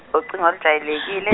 ucingo olujwayelekile .